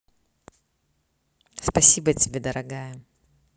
спасибо тебе дорогая